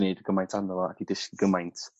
'di neud gymaint arno fo a 'di dysgu gymaint